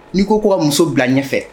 N'i ko ko ka muso bila ɲɛfɛ